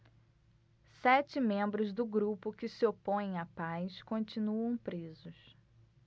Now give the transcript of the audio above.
sete membros do grupo que se opõe à paz continuam presos